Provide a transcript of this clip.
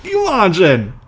Can you imagine?